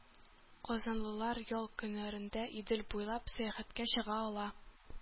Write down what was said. Казанлылар ял көннәрендә Идел буйлап сәяхәткә чыга ала.